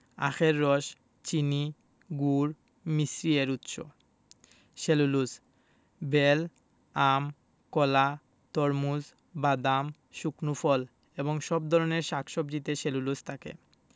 আখের রস চিনি গুড় মিছরি এর উৎস সেলুলোজ বেল আম কলা তরমুজ বাদাম শুকনো ফল এবং সব ধরনের শাক সবজিতে সেলুলোজ থাকে